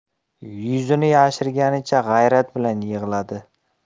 yuzini yashirganicha g'ayrat bilan yig'ladi